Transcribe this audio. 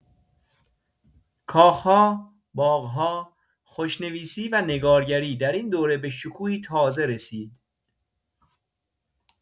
کاخ‌ها، باغ‌ها، خوشنویسی و نگارگری در این دوره به شکوهی تازه رسید.